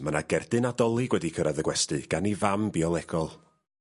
...ma' 'na gerdyn Nadolig wedi cyrradd y gwesty gan 'i fam biolegol.